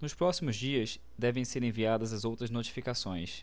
nos próximos dias devem ser enviadas as outras notificações